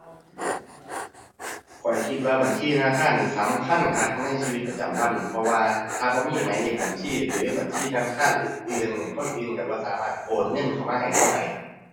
ข้อยคิดว่าบัญชีธนาคารนี้สำคัญคักในชีวิตประจำวัน เพราะว่าถ้าบ่มีหมายเลขบัญชีหรือบัญชีธนาคารอื่นอื่นนี่ คนอื่นก็บ่สามารถโอนเงินเข้ามาให้ก็ได้